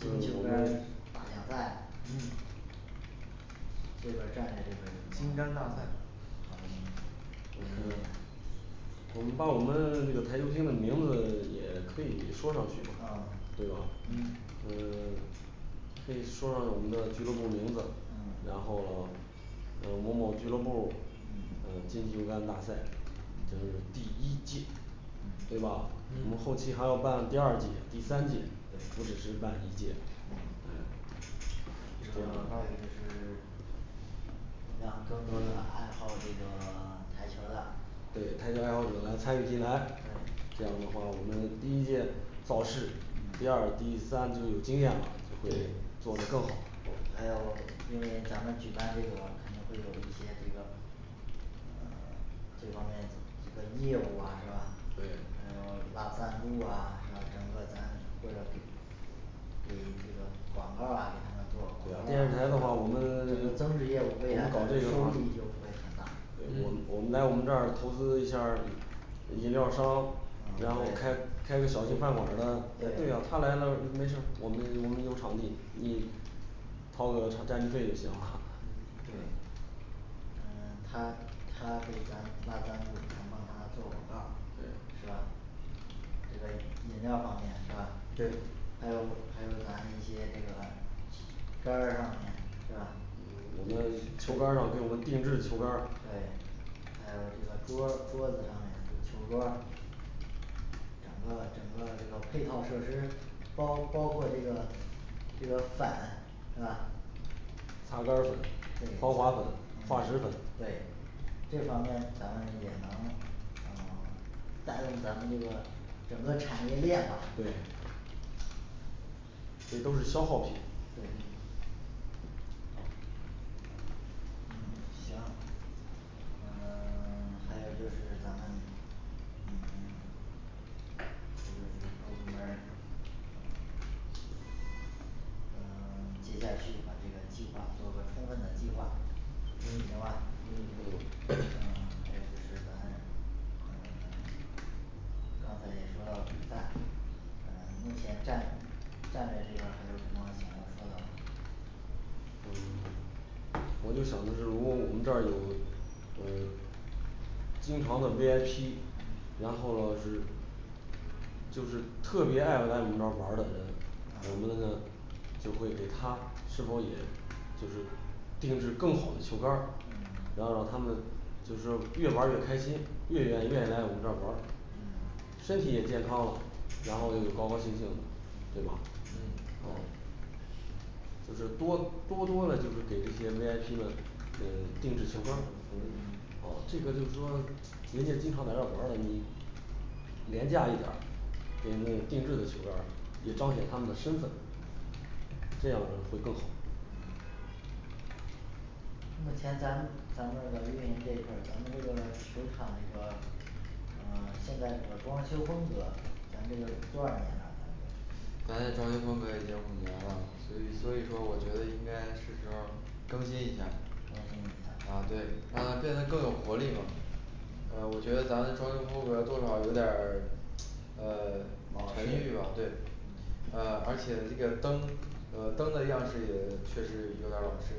金球杆儿大奖赛这边儿战略这金边杆儿大好的赛好的建议我们把我们的那个台球厅的名字也可以说上去对吧啊嗯嗯 可以说说咱们的俱乐部名字，嗯然后呃某某俱乐部儿呃嗯金球杆大赛你的第一届，对嗯吧？我们后期还要办第二届，第三届不只对是办一届。嗯对那个还有就是 让更多的爱好这个 台球的对台球爱好者呢参与进来。这对样的话我们第一届造势，第嗯二第三就有经验了，就会做得更好。还有因为咱们举办这个肯定会有一些这个呃 这方面这个业务啊是吧？还对有拉赞助啊是吧，整个咱或者给给这个广告啊给他们做电视台的话，我们把这个 ，增值业务未对来的收益就会很大。我们我们来我们这儿投资一下儿饮料儿商，然后嗯开对开个小型饭馆的，对呀他对来了没事，我们我们有场地，你掏个占地费就行嗯了对 嗯他他给咱拉赞助咱帮他做广告儿是吧？这个饮料儿方面是吧对？还有还有咱一些这个杆儿上面是吧嗯我们要球杆儿上给我们定制球杆对儿，还有这个桌桌子上面就球桌儿整个整个这个配套设施包包括这个这个粉是吧？擦杆儿粉防滑粉滑石嗯粉对这方面咱们也能啊 带动咱们这个整个产业链吧对这些都是消耗品对嗯行嗯 还有就是咱们嗯 也就是各个部门儿嗯 接下去把这个计划做个充分的计划。嗯行吧。嗯嗯还有就是咱嗯 刚才也说了比赛，呃目前战战略这块儿还有什么想要说的？呃 我就想的是如果我们这儿有呃经常的V I P，然后咯是就是特别爱来我们这儿玩儿的人，我们呢啊就会给他是否也就是定制更好的球杆儿嗯，然后他们就是越玩儿越开心，越愿愿意来我们这儿玩儿嗯身体也健康了，然后又高高兴兴，对吧？嗯嗯就是多，多多的就是给这些V I P们嗯定制球杆儿，啊这个就是说人家经常来这儿玩儿了，你廉价一点儿，给他们定制的球杆儿也彰显他们的身份，这样会更好。目前咱咱们的运营这一块儿，咱们这个球场这个呃现在这个装修风格，咱这个多少年了咱？咱的装修风格已经五年了，所以所以说我觉得应该是时候更新一下。更新一下啊对，让它变得更有活力嘛。呃我觉得咱的装修风格多少有点儿呃老式，嗯沉郁吧对，啊而且这个灯，呃灯的样式也确实有点儿老式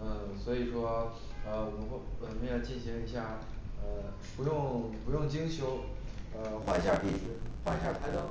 嗯，嗯所以说呃我们我们要进行一下呃不用不用精修，呃换一下儿壁纸换一下儿台灯